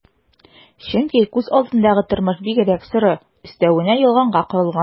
Чөнки күз алдындагы тормыш бигрәк соры, өстәвенә ялганга корылган...